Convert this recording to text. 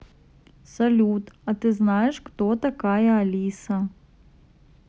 салют а ты знаешь кто такая алиса